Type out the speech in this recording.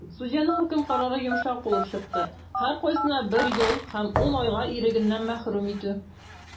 Судьяның хөкем карары йомшак булып чыкты - һәркайсына бер ел һәм 10 айга ирегеннән мәхрүм итү.